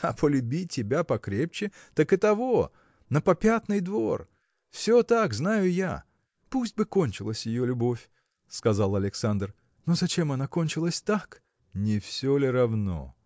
а полюби тебя покрепче, так и того. на попятный двор! все так, знаю я! – Пусть бы кончилась ее любовь – сказал Александр – но зачем она кончилась так?. – Не все ли равно?